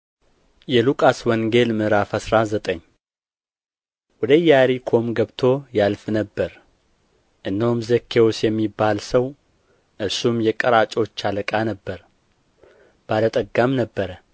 የሉቃስ ወንጌል ምዕራፍ አስራ ዘጠኝ ወደ ኢያሪኮም ገብቶ ያልፍ ነበር እነሆም ዘኬዎስ የሚባል ሰው እርሱም የቀራጮች አለቃ ነበረ ባለ ጠጋም ነበረ